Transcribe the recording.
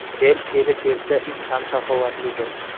kel keli kelsa it ham saxovatli bo'lar